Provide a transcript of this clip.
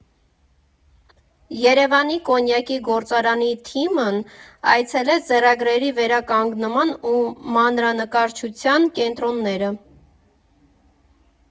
Երևանի կոնյակի գործարանի թիմն այցելեց ձեռագրերի վերականգնման ու մանրանկարչության կենտրոնները։